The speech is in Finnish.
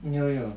joo joo